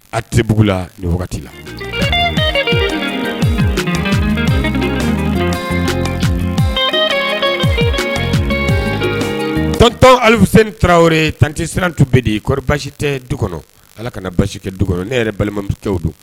A tɛugu la nin wagati la tɔntɔn alibusen tarawele 1te sirantu bɛ de kɔri basisi tɛ du kɔnɔ ala kana basi tɛ du kɔnɔ ne yɛrɛ balima cɛww don